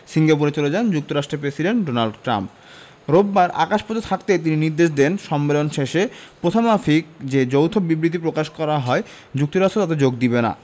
সিঙ্গাপুরে চলে যান যুক্তরাষ্ট্রের প্রেসিডেন্ট ডোনাল্ড ট্রাম্প রোববার আকাশপথে থাকতেই তিনি নির্দেশ দেন সম্মেলন শেষে প্রথামাফিক যে যৌথ বিবৃতি প্রকাশ করা হয় যুক্তরাষ্ট্র তাতে যোগ দেবে না